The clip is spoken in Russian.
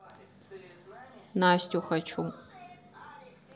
настю хочу